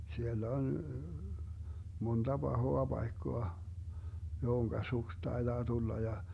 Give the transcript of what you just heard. siellä on monta pahaa paikkaa johon suksi taitaa tulla ja